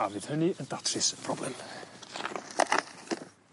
a fydd hynny yn datrys y problem.